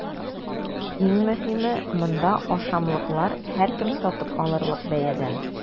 Иң мөһиме – монда ашамлыклар һәркем сатып алырлык бәядән!